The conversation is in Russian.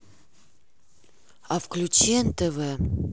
а включи нтв